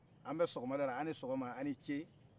an bɛ sɔgɔma dala ani sɔgɔma aw ni ce